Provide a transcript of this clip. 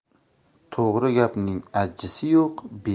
to'g'ri gapning ajjisi